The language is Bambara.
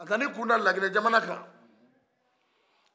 a nana a kun da laginɛ jamana kan